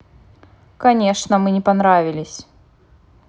конечно мы не понравились